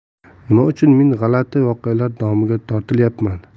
nima uchun men g'alati voqealar domiga tortilyapman